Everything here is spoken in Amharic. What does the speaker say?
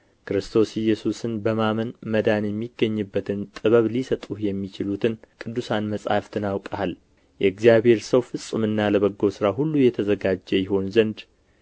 ክርስቶስ ኢየሱስን በማመን መዳን የሚገኝበትን ጥበብ ሊሰጡህ የሚችሉትን ቅዱሳን መጻሕፍትን አውቀሃል የእግዚአብሔር ሰው ፍጹምና ለበጎ ሥራ ሁሉ የተዘጋጀ ይሆን ዘንድ